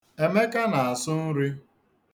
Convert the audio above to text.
Emeka na-asụ nri.